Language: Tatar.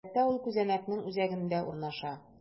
Гадәттә, ул күзәнәкнең үзәгендә урнаша.